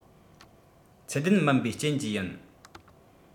ཚད ལྡན མིན པའི རྐྱེན གྱིས ཡིན